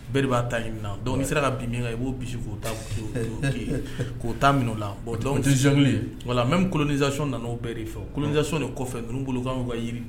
Bere b'a ta min na dɔn' sera ka bin min kan i b'o bisimila' k'o ta min la wala mɛ kolonzy nana o bereri fɛ kolonkisɛc de kɔfɛ minnu bolokan ka jiri